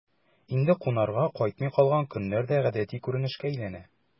Инде кунарга кайтмый калган көннәр дә гадәти күренешкә әйләнә...